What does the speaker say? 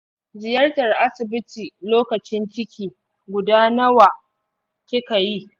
ziyartar asibiti lokacin ciki guda nawa nawa kika yi?